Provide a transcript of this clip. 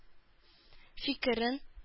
Фикерен